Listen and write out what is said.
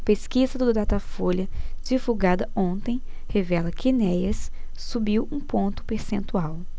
pesquisa do datafolha divulgada ontem revela que enéas subiu um ponto percentual